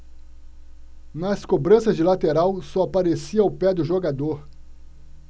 nas cobranças de lateral só aparecia o pé do jogador